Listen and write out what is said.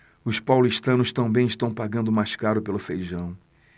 os paulistanos também estão pagando mais caro pelo feijão